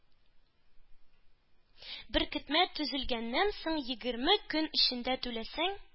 Беркетмә төзелгәннән соң егерме көн эчендә түләсәң,